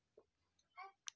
одиссея на русском языке